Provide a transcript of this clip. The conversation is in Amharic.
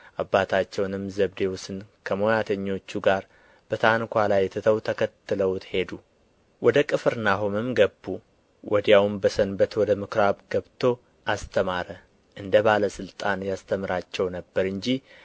አባታቸውንም ዘብዴዎስን ከሞያተኞቹ ጋር በታንኳ ላይ ትተው ተከትለውት ሄዱ ወደ ቅፍርናሆምም ገቡ ወዲያውም በሰንበት ወደ ምኵራብ ገብቶ አስተማረ እንደ ባለ ሥልጣን ያስተምራቸው ነበር እንጂ